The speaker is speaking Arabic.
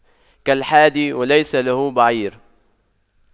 كالحادي وليس له بعير